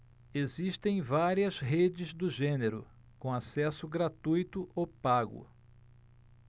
existem várias redes do gênero com acesso gratuito ou pago